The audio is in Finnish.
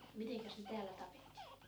mitenkäs ne täällä tapettiin